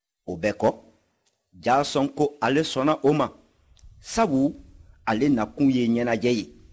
o bɛɛ kɔ jaason ko ale sɔnna o ma sabu ale nakun ye ɲɛnajɛ ye